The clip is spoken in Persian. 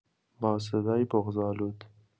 با صدایی بغض‌آلود